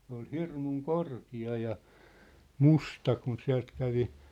se oli hirmu korkea ja musta kun sieltä kävi